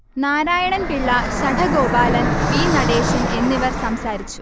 Narayanan Pillai, Sadagopalan, V. Natesan എന്നിവർ സംസാരിച്ചു